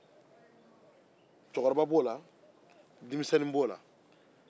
cɛkɔrɔba b'o la denmisɛnnin b'o la